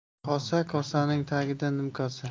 kosa kosaning tagida nimkosa